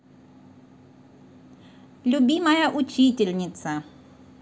любимая учительница